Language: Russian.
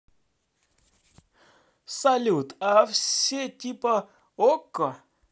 салют а все типа okko